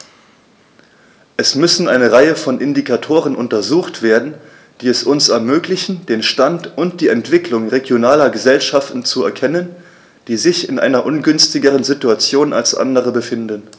Es müssen eine Reihe von Indikatoren untersucht werden, die es uns ermöglichen, den Stand und die Entwicklung regionaler Gesellschaften zu erkennen, die sich in einer ungünstigeren Situation als andere befinden.